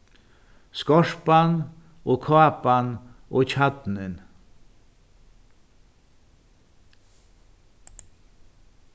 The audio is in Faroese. skorpan og kápan og kjarnin